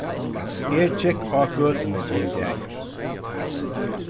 eg gekk á gøtuni ein dagin